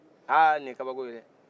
haa nin ye kabako ye dɛ